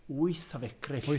Wyth o fecryll?